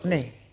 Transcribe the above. niin